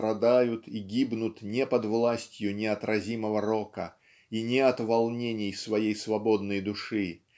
страдают и гибнут не под властью неотразимого рока и не от волнений своей свободной души